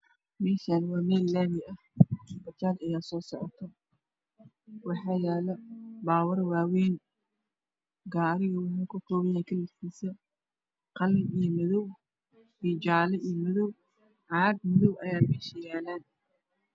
Meeshan waa meel laami ah waxaa soo socdo bajaaj waxaa yaalo baabuur waawayn gaariga kalarkiisa waxa iuu ka kooban yahay qalin, madoow iyo jaale caggo madow ah ayaa meesha yaalo